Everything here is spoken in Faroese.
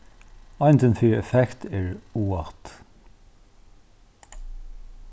eindin fyri effekt er watt